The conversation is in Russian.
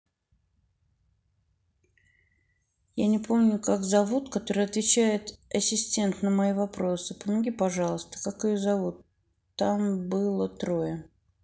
я не помню как зовут который отвечает ассистент на мои вопросы помоги пожалуйста как ее зовут там было трое